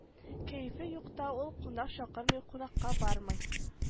Кәефе юкта ул кунак чакырмый кунакка бармый